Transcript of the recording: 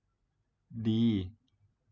ดี